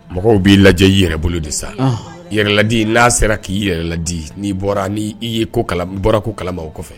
Mɔgɔw b'i lajɛ yɛrɛ bolo de sa yɛrɛ ladi n'a sera k'i yɛrɛ ladi n'i n ye bɔra ko kala kɔfɛ